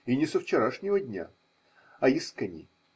И не со вчерашнего дня, а искони.